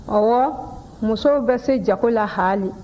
ɔwɔ musow bɛ se jago la haali